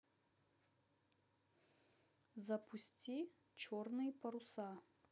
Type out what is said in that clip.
запусти черные паруса